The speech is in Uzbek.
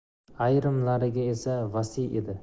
ayrimlariga esa vasiy edi